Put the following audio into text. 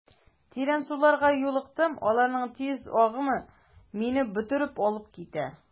Тирән суларга юлыктым, аларның тиз агымы мине бөтереп алып китә.